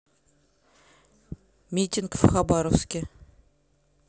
митинг в хабаровске